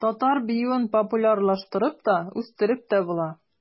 Татар биюен популярлаштырып та, үстереп тә була.